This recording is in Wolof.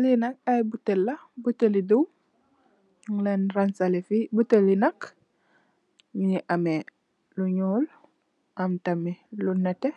Lii nak ay butel la, buteli diw, ñung leen rangsalé nii,..ñu ngi amee lu ñuul, am tam, lu nétté,